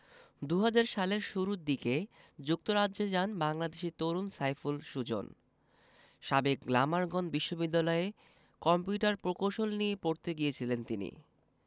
২০০০ সালের শুরু দিকে যুক্তরাজ্যে যান বাংলাদেশি তরুণ সাইফুল সুজন সাবেক গ্লামারগন বিশ্ববিদ্যালয়ে কম্পিউটার প্রকৌশল নিয়ে পড়তে গিয়েছিলেন তিনি